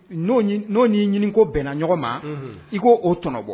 N n'o y'i ɲini ko bɛnna ɲɔgɔn ma i k ko oo tɔnɔbɔ